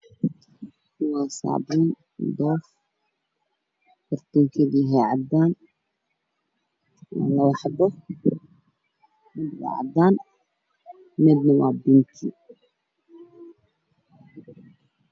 Waa saabuun indho daaf korkeedu yahay cadaan waana labo xabo mid waa cadaan midna waa binki